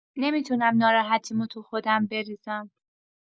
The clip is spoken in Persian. نمی‌تونم ناراحتیمو تو خودم بریزم.